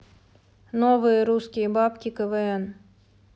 новые русские бабки квн